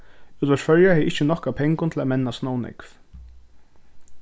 útvarp føroya hevði ikki nokk av pengum til at mennast nóg nógv